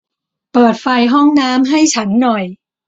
เปิดไฟห้องน้ำให้ฉันหน่อย